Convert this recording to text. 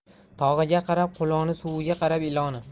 tog'iga qarab quloni suviga qarab iloni